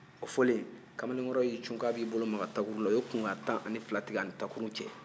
o fɔlen kamalenkɔrɔ y'i cun k'a b'i bolo maga takuru la u ye kunkan tan ni fila tigɛ ani takuru cɛ